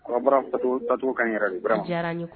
U ka baara taabolo kaɲin ɲɛrɛ den, a diyara'n ye